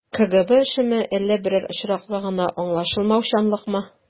КГБ эшеме, әллә берәр очраклы гына аңлашылмаучанлыкмы?